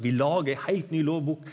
vi lagar ei heilt ny lovbok.